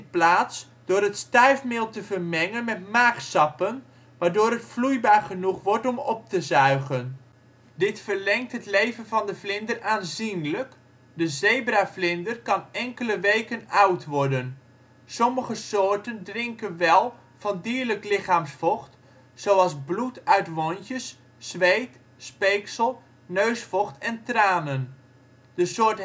plaats door het stuifmeel te vermengen met maagsappen waardoor het vloeibaar genoeg wordt om op te zuigen. Dit verlengt het leven van de vlinder aanzienlijk, de zebravlinder kan enkele weken oud worden. Sommige soorten drinken wel van dierlijk lichaamsvocht, zoals bloed uit wondjes, zweet, speeksel, neusvocht, en tranen. De soort